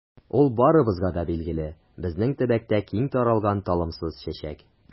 Ул барыбызга да билгеле, безнең төбәктә киң таралган талымсыз чәчәк.